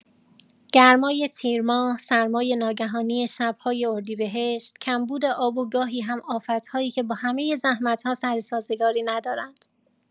گرمای تیرماه، سرمای ناگهانی شب‌های اردیبهشت، کمبود آب و گاهی هم آفت‌هایی که با همه زحمت‌ها سر سازگاری ندارند.